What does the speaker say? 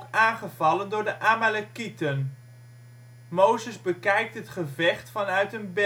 aangevallen door de Amalekieten. Mozes bekijkt het gevecht vanuit een berg